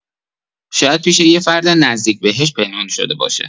شاید پیش یه فرد نزدیک بهش پنهان شده باشه.